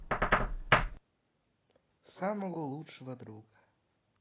самого лучшего друга